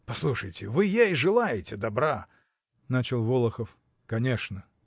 — Послушайте, вы ей желаете добра? — начал Волохов. — Конечно.